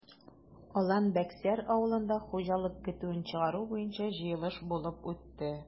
Алан-Бәксәр авылында хуҗалык көтүен чыгару буенча җыелыш булып үтте.